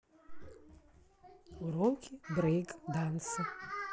уроки брейк данса